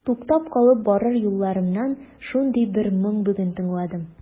Туктап калып барыр юлларымнан шундый бер моң бүген тыңладым.